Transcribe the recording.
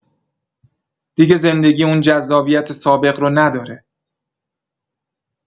دیگه زندگی اون جذابیت سابق رو نداره!